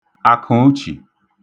Àk̇ụ̀ụchì